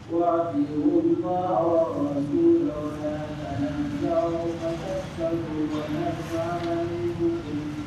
Wadu yododo yo faama gosi